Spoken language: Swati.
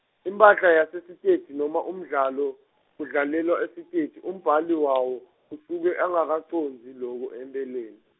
imphahla yasesiteji noma umdlalo, udlalelwa esiteji, umbhali wawo, usuke angakacondzi loko empeleni.